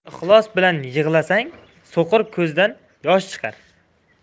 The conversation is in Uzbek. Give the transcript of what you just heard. ixlos bilan yig'lasang so'qir ko'zdan yosh chiqar